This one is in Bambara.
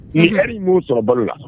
Nin heure in b'u sɔrɔ balo la